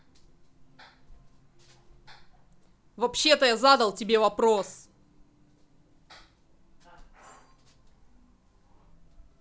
вообще то я задал тебе вопрос